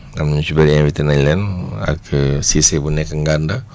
am ñu ci bëri invité nañ leen ak Cissé bu nekk Ndanda